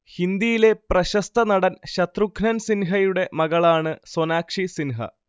ഹിന്ദിയിലെ പ്രശസ്ത നടൻ ശത്രുഘ്നൻ സിൻഹയുടെ മകളാണ് സോനാക്ഷി സിൻഹ